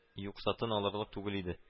Юкса, тын алырлык түгел иде